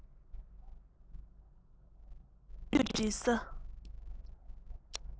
དབུ ཁྱུད འབྲི ས